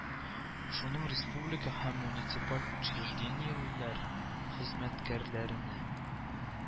Шуның республика һәм муниципаль учреждениеләр хезмәткәрләренә